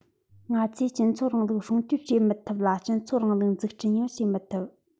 ང ཚོས སྤྱི ཚོགས རིང ལུགས སྲུང སྐྱོང བྱེད མི ཐུབ ལ སྤྱི ཚོགས རིང ལུགས འཛུགས སྐྲུན ཡང བྱེད མི ཐུབ